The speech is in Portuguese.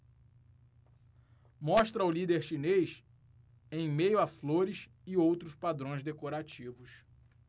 mostra o líder chinês em meio a flores e outros padrões decorativos